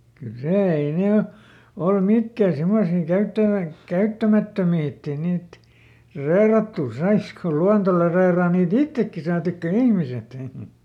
kyllä se ei ne ole ollut mitkään semmoisia - käyttämättömiä että ei niitä reilattua saisikaan kun luonto - reilaa niitä itsekin saatikka ihmiset